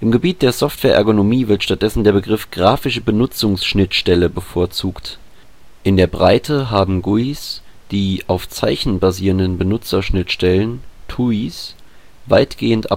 Gebiet der Software-Ergonomie wird stattdessen der Begriff „ grafische Benutzungsschnittstelle “bevorzugt. In der Breite haben GUIs die auf Zeichen basierenden Benutzerschnittstellen (TUIs) weitgehend abgelöst